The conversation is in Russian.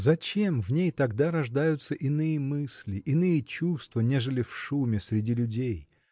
зачем в ней тогда рождаются иные мысли иные чувства нежели в шуме среди людей?